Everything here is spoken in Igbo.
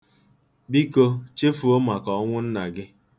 Biko, chefuo maka ọnwụ nna gị.